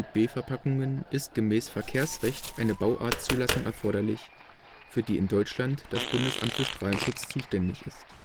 Typ-B-Verpackungen ist gemäß Verkehrsrecht eine Bauartzulassung erforderlich, für die in Deutschland das Bundesamt für Strahlenschutz (BfS) zuständig ist